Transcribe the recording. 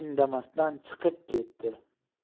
indamasdan chiqib ketdi